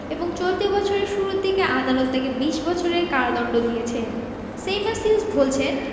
এবং চলতি বছরের শুরুর দিকে আদালত তাকে ২০ বছরের কারাদণ্ড দিয়েছেন সেইমাস হিউজ বলছেন